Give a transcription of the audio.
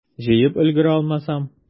Җыеп өлгерә алмасам?